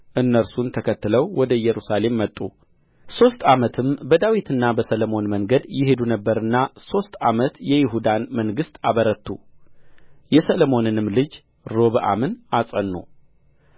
እነርሱን ተከትለው ወደ ኢየሩሳሌም መጡ ሦስት ዓመት በዳዊትና በሰሎሞን መንገድ ይሄዱ ነበርና ሦስት ዓመት የይሁዳን መንግሥት አበረቱ የሰሎሞንንም ልጅ ሮብዓምን አጸኑ